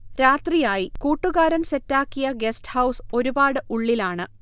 രാത്രിയായി, കൂട്ടുകാരൻ സെറ്റാക്കിയ ഗസ്റ്റ് ഹൌസ് ഒരു പാട് ഉള്ളിലാണ്